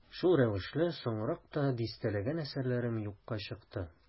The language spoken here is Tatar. Шул рәвешле соңрак та дистәләгән әсәрләрем юкка чыкты.